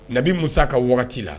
Nabi musa ka wagati la